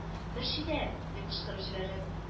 – мөршидә! – дип кычкырып җибәрә